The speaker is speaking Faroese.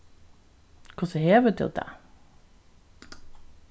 hvussu hevur tú tað